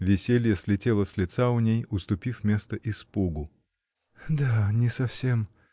Веселье слетело с лица у ней, уступив место испугу. — Да, не совсем.